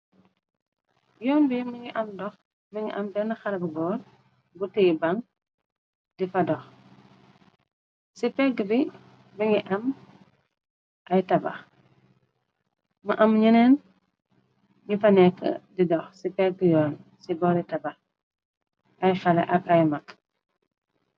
Yoon bi mingi am dox mi ngi am benne xale bu goor bu teyi ban di fa dox ci pegg bi bi ngi am ay tabax ma am ñeneen ni fa nekk di dox ci pegg yoon ci bore tabax ay xale ak ay mag.